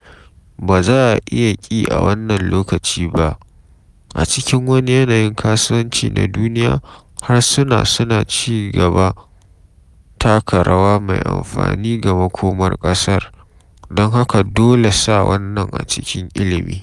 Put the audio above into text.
Ba za a iya ki a wannan lokacin ba, a cikin wani yanayin kasuwanci na duniya, harsuna suna ci gaba taka rawa mai amfani ga makomar kasar, don haka dole sa wannan a cikin ilmi.